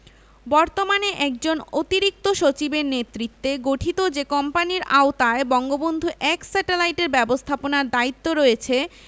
বর্তমানে একজন অতিরিক্ত সচিবের নেতৃত্বে গঠিত যে কোম্পানির আওতায় বঙ্গবন্ধু ১ স্যাটেলাইট এর ব্যবস্থাপনার দায়িত্ব রয়েছে